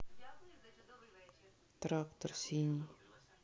трактор синий